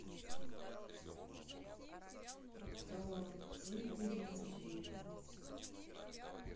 так выбери один